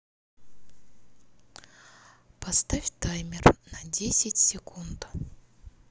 поставь таймер на десять секунд